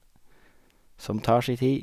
Som tar si tid.